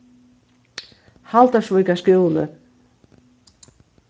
haldórsvíkar skúli